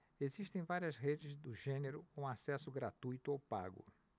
existem várias redes do gênero com acesso gratuito ou pago